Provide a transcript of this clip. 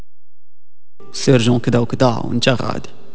سيرجن كذا وكذا